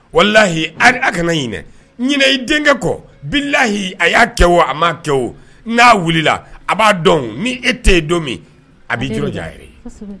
Wala lahi a kana i denkɛ kɔ bi lahiyi a y'a kɛ o a ma kɛ o n'a wulila a b'a dɔn ni e tɛ yen don min a b' jɔja yɛrɛ ye